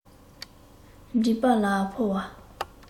མགྲིན པ ལ ཕོ བ